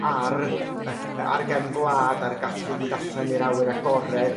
ar yrr ar y gefn gwlad a'r gallu i fynd allan i'r awyr agored